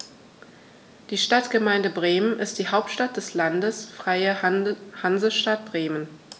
Die Stadtgemeinde Bremen ist die Hauptstadt des Landes Freie Hansestadt Bremen.